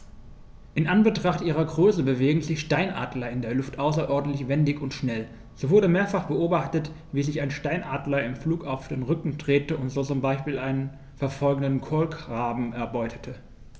In Anbetracht ihrer Größe bewegen sich Steinadler in der Luft außerordentlich wendig und schnell, so wurde mehrfach beobachtet, wie sich ein Steinadler im Flug auf den Rücken drehte und so zum Beispiel einen verfolgenden Kolkraben erbeutete.